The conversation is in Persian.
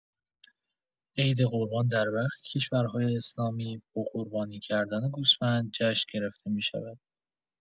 عید قربان در برخی کشورهای اسلامی با قربانی کردن گوسفند جشن گرفته می‌شود.